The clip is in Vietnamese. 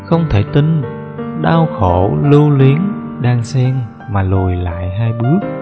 không thể tin đau khổ lưu luyến đan xen mà lùi lại hai bước